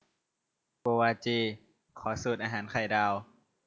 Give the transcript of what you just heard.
โกวาจีขอสูตรอาหารไข่ดาว